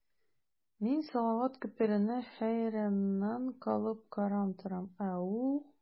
Мин салават күперенә хәйраннар калып карап торам, ә ул...